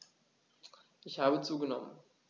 Ich habe zugenommen.